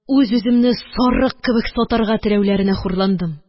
Үз-үземне сарык кебек сатарга теләүләренә хурландым